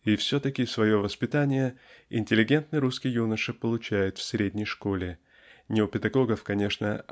И все-таки свое воспитание интеллигентный русский юноша получает в средней школе не у педагогов конечно